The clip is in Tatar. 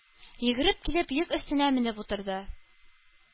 Йөгереп килеп, йөк өстенә менеп утырды.